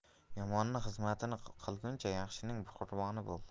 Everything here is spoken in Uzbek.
yomonning xizmatini qilguncha yaxshining qurboni bo'l